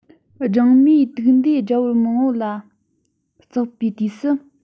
སྦྲང མའི དུག མདས དགྲ བོ མང པོ ལ གཙགས པའི དུས སུ